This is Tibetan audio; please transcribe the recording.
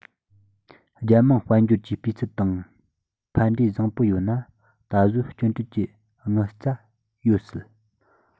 རྒྱལ དམངས དཔལ འབྱོར གྱི སྤུས ཚད དང ཕན འབྲས བཟང པོ ཡོད ན ད གཟོད སྐྱོན བྲལ གྱི དངུལ རྩ ཡོད སྲིད